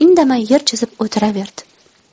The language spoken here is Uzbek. indamay yer chizib o'tiraverdi